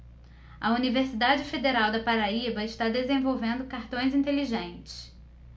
a universidade federal da paraíba está desenvolvendo cartões inteligentes